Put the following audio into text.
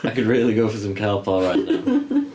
I could really go for some Calpol right now .